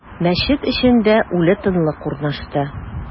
Мәчет эчендә үле тынлык урнашты.